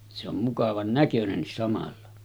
se on mukavan näköinenkin samalla